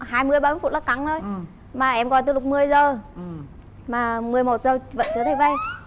hai mươi bốn phút là căng rồi mà em gọi từ lúc mười giờ mà mười một giờ vẫn chưa thấy về